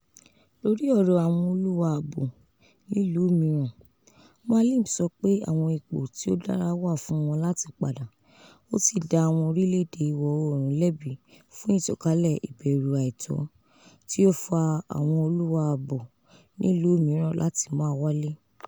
Lori ọrọ awọn oluwa abo nilu miiran, Moualem sọ pe awọn ipo ti o dara wa fun wọn lati pada, o si da "awọn orílẹ̀-èdè iwọ oorun" lẹbi fun "itankale ibẹru aitọ" ti o fa awọn awọn oluwa abo nilu miiran lati ma wale.